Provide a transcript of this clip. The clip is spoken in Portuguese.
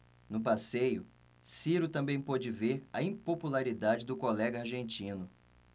no passeio ciro também pôde ver a impopularidade do colega argentino